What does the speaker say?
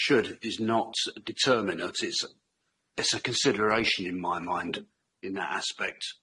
Should is not determinants, it's a consideration in my mind in that aspect.